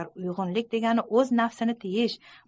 axir uygunlik degani oz nafsini tiyish